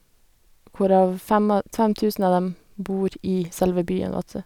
Hvorav fem av fem tusen av dem bor i selve byen Vadsø.